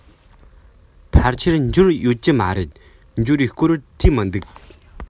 ཕལ ཆེར འབྱོར ཡོད ཀྱི མ རེད འབྱོར བའི སྐོར བྲིས མི འདུག